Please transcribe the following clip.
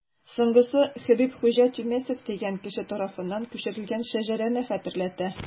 Соңгысы Хөббихуҗа Тюмесев дигән кеше тарафыннан күчерелгән шәҗәрәне хәтерләтә.